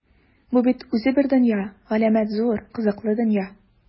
Бу бит үзе бер дөнья - галәмәт зур, кызыклы дөнья!